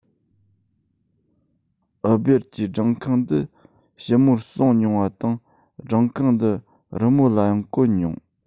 ཨུ སྦེར གྱིས སྦྲང ཁང འདི ཞིབ མོར གསུངས མྱོང བ དང སྦྲང ཁང འདི རི མོ ལའང བཀོད མྱོང